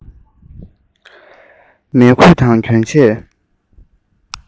མལ གོས དང གྱོན ཆས